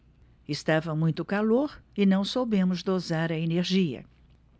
estava muito calor e não soubemos dosar a energia